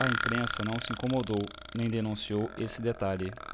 a imprensa não se incomodou nem denunciou esse detalhe